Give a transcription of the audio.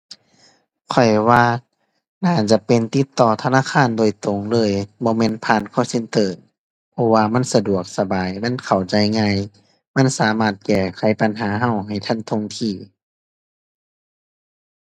ข้อยว่าน่าจะเป็นติดต่อธนาคารโดยตรงเลย บ่แม่นผ่าน call center เพราะว่ามันสะดวก สบาย มันเข้าใจง่าย มันสามารถแก้ไขปัญหาเราให้ทันท่วงที